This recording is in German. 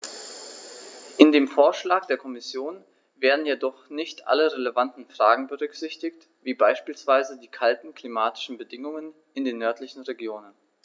In dem Vorschlag der Kommission werden jedoch nicht alle relevanten Fragen berücksichtigt, wie beispielsweise die kalten klimatischen Bedingungen in den nördlichen Regionen.